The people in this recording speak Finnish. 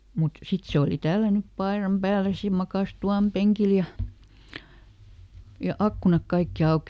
mutta sitten se oli tällännyt paidan päälle ja makasi tuvan penkillä ja ja ikkunat kaikki auki